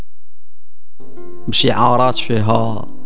شعارات فيها